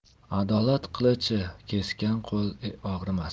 adolat qilichi kesgan qo'l og'rimas